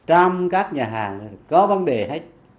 trong các nhà hàng có vấn đề hết